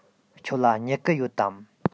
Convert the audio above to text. ཁྱོད ལ སྨྱུ གུ ཡོད དམ